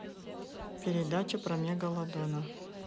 передача про мегалодона